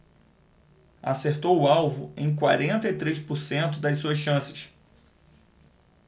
acertou o alvo em quarenta e três por cento das suas chances